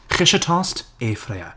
Chi isio tost? Airfryer.